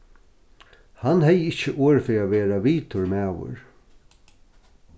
hann hevði ikki orð fyri at vera vitur maður